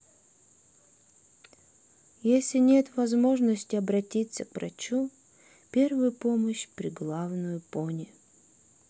если нет возможности обратиться к врачу первую помощь при главную пони